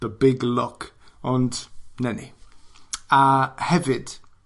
the big lock, ond, 'na ni. a hefyd,